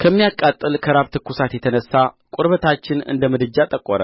ከሚያቃጥል ከራብ ትኩሳት የተነሣ ቁርበታችን እንደ ምድጃ ጠቈረ